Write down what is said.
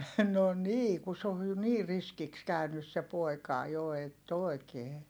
no niin kun se on jo niin riskiksi käynyt se poika jo että oikein